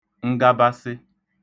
ngabasị